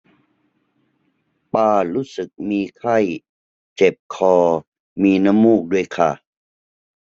ป้ารู้สึกมีไข้เจ็บคอมีน้ำมูกด้วยค่ะ